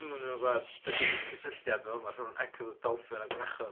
Dwi'm yn even gwybod be 'di'r l- cysylltiad yn fama rhwng Echo the Dolphin a gwrachod.